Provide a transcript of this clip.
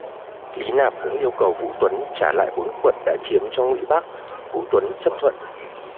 lý nạp cũng yêu cầu vũ tuấn trả lại bốn quận đã chiếm cho ngụy bác vũ tuấn chấp thuận